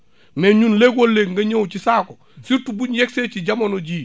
mais ñun léegoo léeg nga ñëw ci saako surtout bu ñu yegg see si jamono jii